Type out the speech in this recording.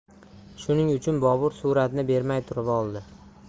shuning uchun bobur suratni bermay turib oldi